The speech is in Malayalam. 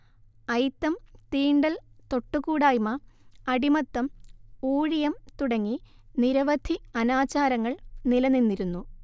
അയിത്തം തീണ്ടൽ തൊട്ടുകൂടായ്മ അടിമത്തം ഊഴിയം തുടങ്ങി നിരവധി അനാചാരങ്ങൾ നിലനിന്നിരുന്നു